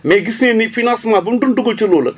mais gis nañ ne financement bu mu doon dugal ci loola